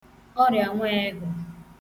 ọrịa nweehụ̀